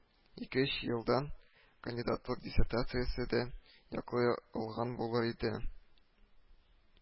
Ике-өч елдан кандидатлык диссертациясе дә яклый алган булыр иде